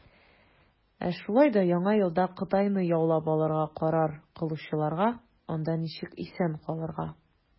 Ә шулай да Яңа елда Кытайны яулап алырга карар кылучыларга, - анда ничек исән калырга.